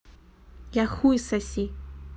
я хуй соси